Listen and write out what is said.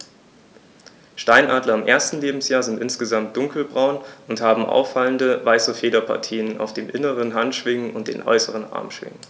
Steinadler im ersten Lebensjahr sind insgesamt dunkler braun und haben auffallende, weiße Federpartien auf den inneren Handschwingen und den äußeren Armschwingen.